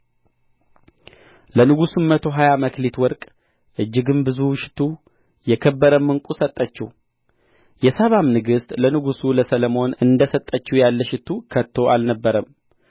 ለንጉሡም መቶ ሀያ መክሊት ወርቅ እጅግም ብዙ ሽቱ የከበረም ዕንቍ ሰጠችው የሳባም ንግሥት ለንጉሡ ለሰሎሞን እንደ ሰጠችው ያለ ሽቱ ከቶ አልነበረም